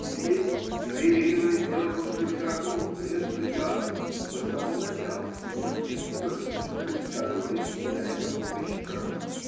Теперь евреи ринулись делать русскую литературу, прессу и театр, и мы с самого начала с математической точностью предсказывали и на этом поприще крах.